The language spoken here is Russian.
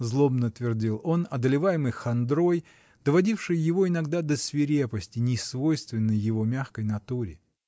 — злобно твердил он, одолеваемый хандрой, доводившей его иногда до свирепости, не свойственной его мягкой натуре.